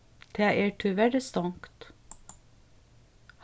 tað er tíverri stongt